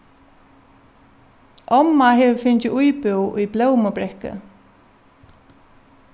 omma hevur fingið íbúð í blómubrekku